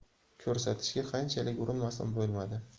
ko'rsatishga qanchalik urinmasin bo'lmadi